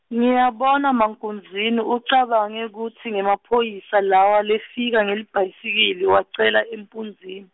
ngiyabona mankunzini ucabange kutsi ngemaphoyisa lawa lefika ngelibhayisikili wacela empunzini.